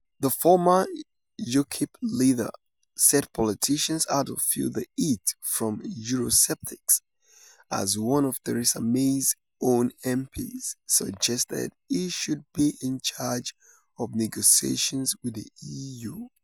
The former Ukip leader said politicians had to 'feel the heat' from Eurosceptics - as one of Theresa May's own MPs suggested he should be in charge of negotiations with the EU.